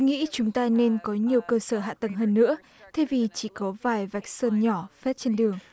nghĩ chúng ta nên có nhiều cơ sở hạ tầng hơn nữa thay vì chỉ có vài vạch sơn nhỏ phết trên đường